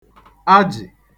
ajị̀